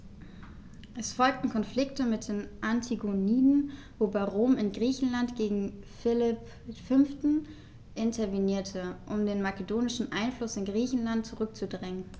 Es folgten Konflikte mit den Antigoniden, wobei Rom in Griechenland gegen Philipp V. intervenierte, um den makedonischen Einfluss in Griechenland zurückzudrängen.